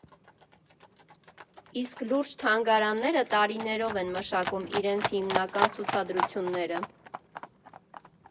Իսկ լուրջ թանգարանները տարիներով են մշակում իրենց հիմնական ցուցադրությունները։